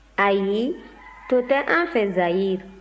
ayi to tɛ an fɛ zayiri